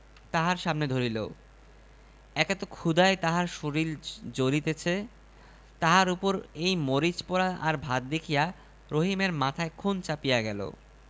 তাহার সামনে ধরিল একে তো ক্ষুধায় তাহার শরীর জ্বলিতেছে তাহার উপর এই মরিচ পোড়া আর ভাত দেখিয়া রহিমের মাথায় খুন চাপিয়া গেল